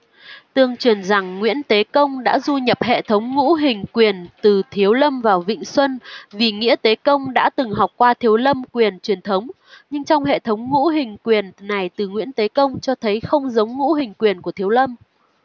tương truyền rằng nguyễn tế công đã du nhập hệ thống ngũ hình quyền từ thiếu lâm vào vịnh xuân vì nguyễn tế công đã từng học qua thiếu lâm quyền truyền thống nhưng trong hệ thống ngũ hình quyền này từ nguyễn tế công cho thấy không giống ngũ hình quyền của thiếu lâm